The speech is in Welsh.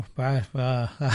O bai bai.